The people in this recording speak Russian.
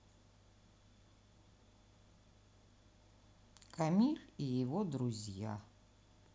камиль и его друзья